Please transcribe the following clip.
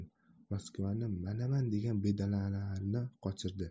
maskovni manman degan bedanalarini qochirdi